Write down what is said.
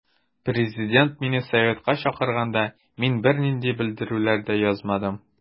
Президент мине советка чакырганда мин бернинди белдерүләр дә язмадым.